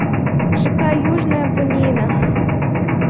жк южное бунино